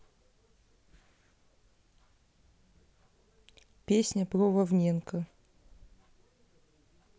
песня про вовненко